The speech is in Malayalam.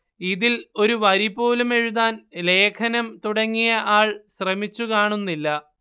ഇതിൽ ഒരു വരി പോലും എഴുതാൻ ലേഖനം തുടങ്ങിയ ആൾ ശ്രമിച്ചു കാണുന്നില്ല